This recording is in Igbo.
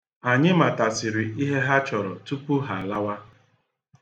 Anyị matasịrị ihe ha chọrọ tupu ha lawa.